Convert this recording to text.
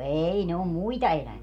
ei ne on muita eläviä